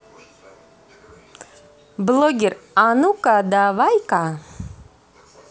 блогер а ну ка давай ка